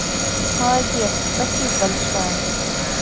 молодец спасибо большое